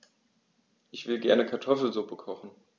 Ich will gerne Kartoffelsuppe kochen.